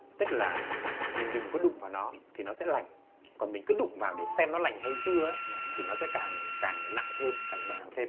tức là mình đừng có đụng vào nó thì nó sẽ lành còn mình cứ đụng vào để xem nó lành hay chưa ấy thì nó sẽ càng càng nặng thêm càng trầm trọng thêm